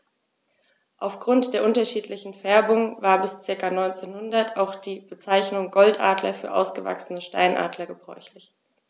Auf Grund der unterschiedlichen Färbung war bis ca. 1900 auch die Bezeichnung Goldadler für ausgewachsene Steinadler gebräuchlich.